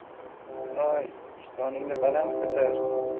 hoy ishtoningni baland ko'tar